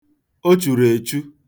O churu echu.